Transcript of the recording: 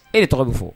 E ye tɔgɔ bɛ fɔ